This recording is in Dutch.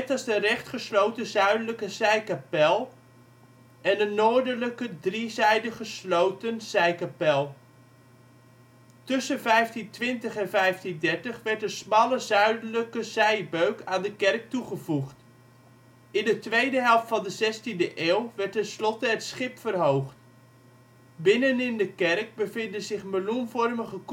als de recht gesloten zuidelijke zijkapel en de noordelijke driezijdig gesloten zijkapel. Tussen 1520 en 1530 werd een smalle zuidelijke zijbeuk aan de kerk toegevoegd. In de tweede helft van de zestiende eeuw werd tenslotte het schip verhoogd. Binnenin de kerk bevinden zich meloenvormige